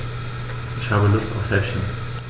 Ich habe Lust auf Häppchen.